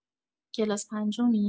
کلاس پنجمی؟